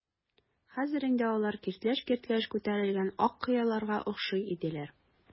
Хәзер инде алар киртләч-киртләч күтәрелгән ак кыяларга охшый иделәр.